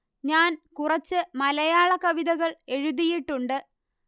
ഞാൻ കുറച്ച് മലയാള കവിതകൾ എഴുതിയിട്ടുണ്ട്